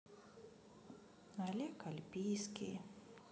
олег альпийский